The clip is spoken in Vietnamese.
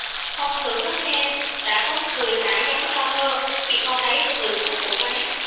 ông thưởng nói thêm đã có người trả giá cao hơn chị không lấy thì người khác cũng lấy